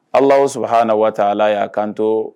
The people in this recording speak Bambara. Ala aw h na waati ala y'a kanto